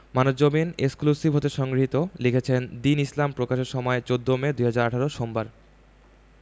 Manabzamin exclusive হতে সংগৃহীত লিখেছেনঃ দীন ইসলাম প্রকাশের সময় ১৪ মে ২০১৮ সোমবার